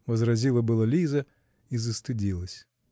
-- возразила было Лиза -- и застыдилась.